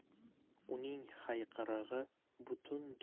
uning hayqirig'i butun